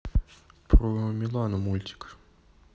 про милану мультик